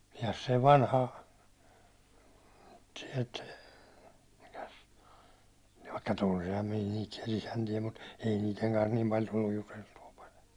se vanha sieltä mikäs vaikka tunsinhan minä niitä siellä isäntiä mutta ei niiden kanssa niin paljon tullut juteltua -